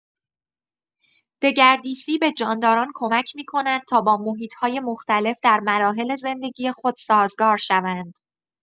دگردیسی به جانداران کمک می‌کند تا با محیط‌های مختلف در مراحل زندگی خود سازگار شوند.